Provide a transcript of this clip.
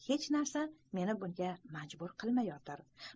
hech narsa meni bunga majbur qilmayotir